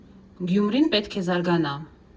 Գյումրին պետք է զարգանա։